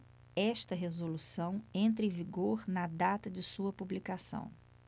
esta resolução entra em vigor na data de sua publicação